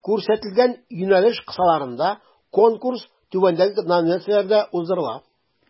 Күрсәтелгән юнәлеш кысаларында Конкурс түбәндәге номинацияләрдә уздырыла: